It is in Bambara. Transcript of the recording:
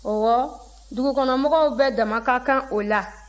ɔwɔ dugukɔnɔmɔgɔw bɛɛ dama ka kan o la